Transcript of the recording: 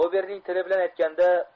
obeming tili bilan aytganda